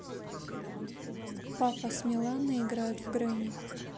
папа с миланой играют в гренни